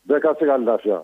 Bɛɛ ka se ka n lafiya